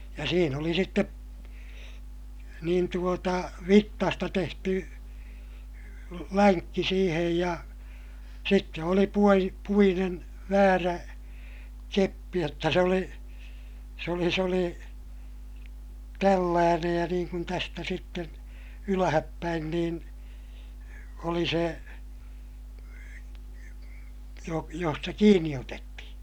ja siinä oli sitten niin tuota vitsasta tehty lenkki siihen ja sitten oli - puinen väärä keppi jotta se oli se oli se oli tällainen ja niin kuin tästä sitten ylöspäin niin oli se - josta kiinni otettiin